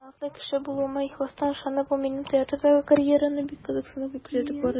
Талантлы кеше булуыма ихластан ышанып, ул минем театрдагы карьераны бик кызыксынып күзәтеп барды.